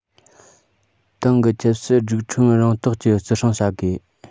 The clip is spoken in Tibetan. ཏང གི ཆབ སྲིད སྒྲིག ཁྲིམས རང རྟོགས ཀྱིས བརྩི སྲུང བྱ དགོས